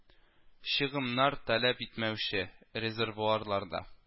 Чыгымнар таләп итмәүче, резервуарларда